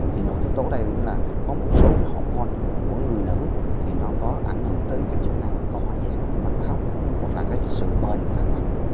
thì nội tiết tố đây nghĩa là có một số cái hậu môn của người nữ thì nó có ảnh hưởng tới cái chức năng co giãn của mạch máu hoặc là cái sự bền của thành mạch